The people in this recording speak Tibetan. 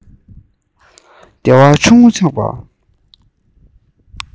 བདེ བ ཆུང ངུ ཆགས པ